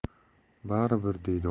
bari bir deydi